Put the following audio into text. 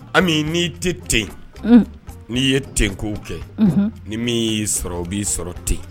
Ami n'i tɛ t n'i ye tkow kɛ ni min y'i sɔrɔ o b'i sɔrɔ ten